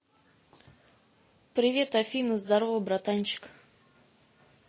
привет афина здорово братанчик